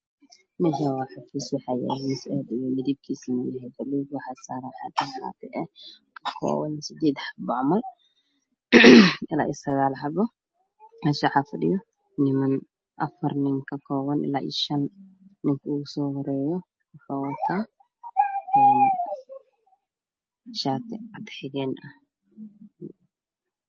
Meeshaan waa xafiis waxaa yaal miis aad u weyn midabkiisuna uu yahay buluug waxaa saaran siddeed xabo ah ilaa sagaal xabo meesha waxaa fadhiya niman afar nin ka kooban ilaa shan. ninka ugu soo horeeya waxuu wataa shaati cadaan xegeen ah.